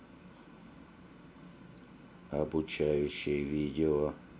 обучающее видео